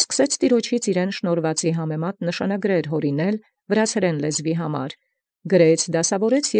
Եւ առնոյր կարգեալ նշանագիրս վրացերէն լեզուին, ըստ շնորհեցելոյն նմա ի Տեառնէ։